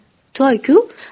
toy ku